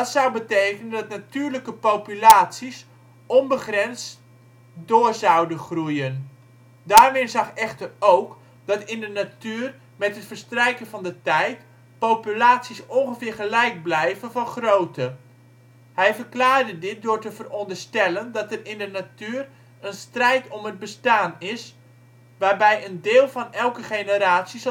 betekenen dat natuurlijke populaties onbegrensd door zouden groeien. Darwin zag echter ook, dat in de natuur met het verstrijken van de tijd populaties ongeveer gelijk blijven van grootte. Hij verklaarde dit door te veronderstellen dat er in de natuur een strijd om het bestaan is, waarbij een deel van elke generatie